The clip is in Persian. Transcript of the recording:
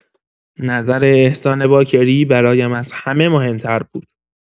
نظر احسان باکری برایم از همه مهمتر بود.